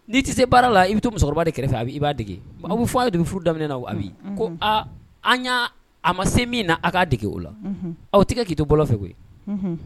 N'i tɛ se baara la i bɛ to musokɔrɔba de kɛrɛfɛ fɛ a i b'a dege a bɛ fɔ a ye de bɛ furu daminɛ a ko aa an a ma se min na a k kaa dege o la aw tɛ k'i to bɔlɔ fɛ koyi